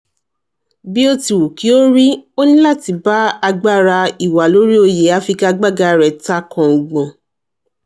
Bíótiwùkíórí, ó ní láti bá agbára ìwàlóríoyè afigagbága rẹ̀ takọ̀ngbọ̀n.